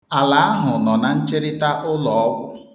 Ala ahụ nọ na ncherịta ụlọọgwụ.